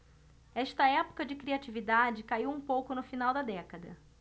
esta época de criatividade caiu um pouco no final da década